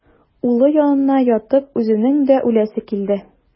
Улы янына ятып үзенең дә үләсе килде.